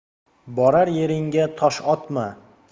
borar yeringga tosh otma